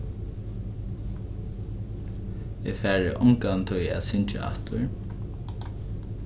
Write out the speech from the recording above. eg fari ongantíð at syngja aftur